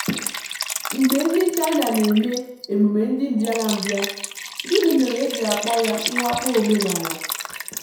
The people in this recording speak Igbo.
Mgbe ndị China na-eme emume ndị mbịarambịa, gịnị mere e ji akpọ ya mwakpo omenala?